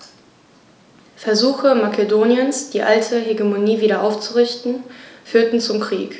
Versuche Makedoniens, die alte Hegemonie wieder aufzurichten, führten zum Krieg.